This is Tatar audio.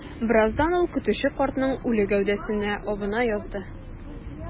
Бераздан ул көтүче картның үле гәүдәсенә абына язды.